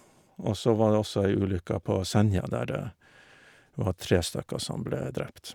Og så var det også ei ulykke på Senja, der det var tre stykker som ble drept.